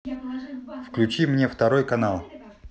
включи мне второй канал